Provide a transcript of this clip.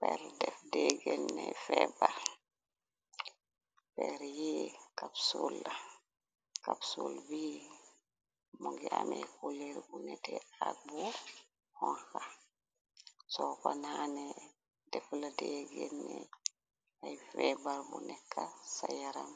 Per def dee genne febar perr yi kapsul kapsul bi mongi amee kulóor bu nete ak bu xonxa so ko naane defla dee genne ay feebar bu nekk sa yaram